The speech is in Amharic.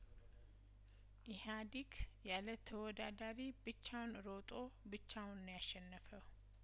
ኢህአዲግ ያለተወዳዳሪ ብቻውን ሮጦ ብቻውን ነው ያሸነፈው